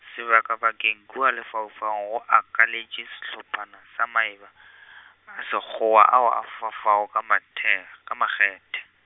sebakabakeng kua lefaufaung go akaletše sehlophana sa maeba , a Sekgowa ao a fofafofago ka matheg- ka makgethe.